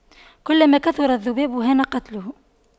كلما كثر الذباب هان قتله